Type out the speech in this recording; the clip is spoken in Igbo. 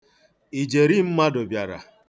Ijeri mmadụ bịara.